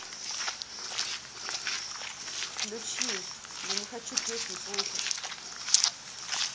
выключи я не хочу песню слушать